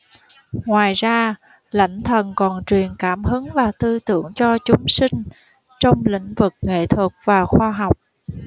ngoài ra lãnh thần còn truyền cảm hứng và tư tưởng cho chúng sinh trong lĩnh vực nghệ thuật và khoa học